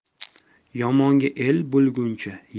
yomonga el bo'lguncha